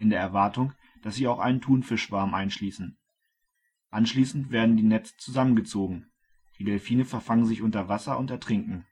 Erwartung, dass sie auch einen Thunfischschwarm einschließen. Die Netze werden zusammengezogen, die Delfine verfangen sich unter Wasser und ertrinken